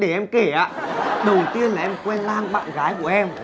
để em kể ạ đầu tiên là em quen lan bạn gái của em